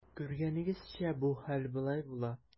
Күргәнегезчә, бу хәл болай була.